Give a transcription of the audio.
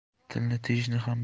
tilni tiyishni ham